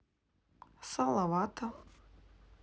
салавата